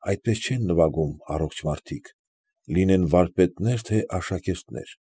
Այդպես չեն նվագում առողջ մարդիկ ֊լինեն վարպետներ, թե աշակերտներ։